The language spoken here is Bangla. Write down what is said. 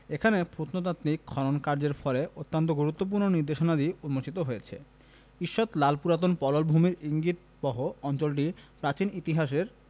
এখানে প্রত্নতাত্ত্বিক খননকার্যের ফলে অত্যন্ত গুরত্বপূর্ণ নিদর্শনাদি উন্মোচিত হয়েছে ঈষৎ লাল পুরাতন পললভূমির ইঙ্গিতবহ অঞ্চলটি প্রাচীন ইতিহাসের